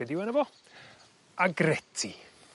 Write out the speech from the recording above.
Be' 'dyw enw fo? Agretti.